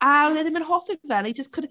A oedd e ddim yn hoffi fe and he just couldn-...